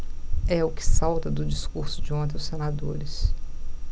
é o que salta do discurso de ontem aos senadores